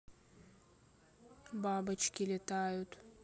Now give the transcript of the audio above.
бабочки летают